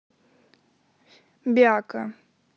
бяка